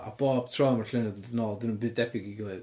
A bob tro mae'r llun yn dod yn ôl 'di nhw'm byd debyg i'w gilydd.